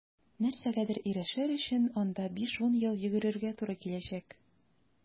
Нәрсәгәдер ирешер өчен анда 5-10 ел йөгерергә туры киләчәк.